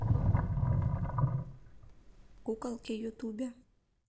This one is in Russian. куколки ютубе